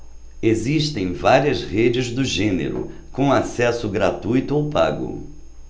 existem várias redes do gênero com acesso gratuito ou pago